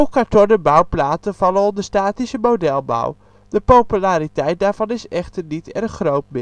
kartonnen bouwplaten vallen onder statische modelbouw. De populariteit daarvan is echter niet erg groot meer